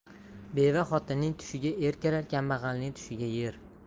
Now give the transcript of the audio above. beva xotinning tushiga er kirar kambag'alning tushiga yer